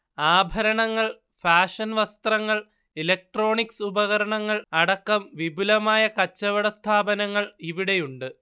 ആഭരണങ്ങൾ, ഫാഷൻ വസ്ത്രങ്ങൾ, ഇലക്ട്രോണിക്സ് ഉപകരണങ്ങൾ, അടക്കം വിപുലമായ കച്ചവട സ്ഥാപനങ്ങൾ ഇവിടെയുണ്ട്